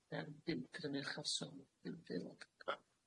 Yn bump, a dyna'r uchafswm, pump aelod.